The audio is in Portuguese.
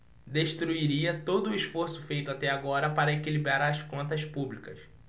destruiria todo esforço feito até agora para equilibrar as contas públicas